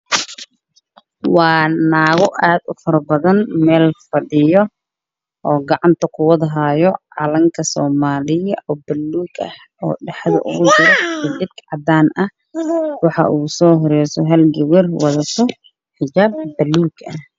Waa naago aad u farabadan meel fadhiyo waxayna wataan calanka somalia waxaana ugu soo horayso naag wadato xijaab dhar buluug ah iyo calanka somalia